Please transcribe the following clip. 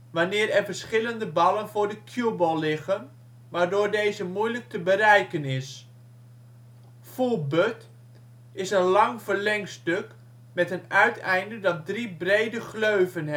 wanneer er verschillende ballen voor de cueball liggen, waardoor deze moeilijk te bereiken is. Full butt: een lang verlengstuk met een uiteinde dat drie brede ' gleuven ' heeft